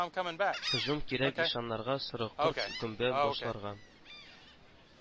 Һөҗүм кирәк ишаннарга сорыкорт, гөмбә башларга